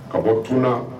Ka bɔ kuma